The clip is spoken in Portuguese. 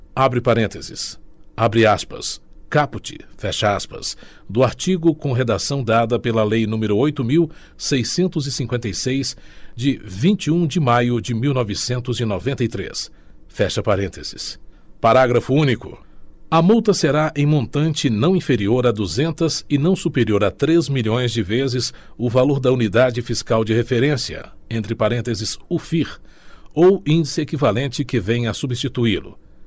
abre parênteses abre aspas caput fecha aspas do artigo com redação dada pela lei número oito mil seiscentos e cinquenta e seis de vinte e um de maio de mil novecentos e noventa e três fecha parênteses parágrafo único a multa será em montante não inferior a duzentas e não superior a três milhões de vezes o valor da unidade fiscal de referência entre parênteses ufir ou índice equivalente que venha a substituílo